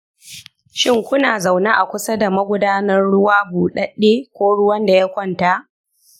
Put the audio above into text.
shin kuna zaune a kusa da magudanar ruwa buɗaɗɗe ko ruwan da ya kwanta?